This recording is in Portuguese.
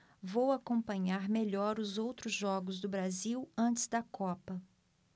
vou acompanhar melhor os outros jogos do brasil antes da copa